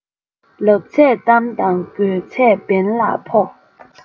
ལབ ཚད གཏམ དང དགོས ཚད འབེན ལ ཕོག